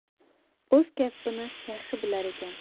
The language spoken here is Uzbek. o'z kasbini yaxshi bilar ekan